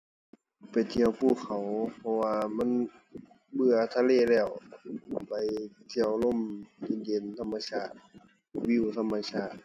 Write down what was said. ไปเที่ยวภูเขาเพราะว่ามันเบื่อทะเลแล้ว ไปเที่ยวลมเย็นเย็นธรรมชาติ วิวธรรมชาติ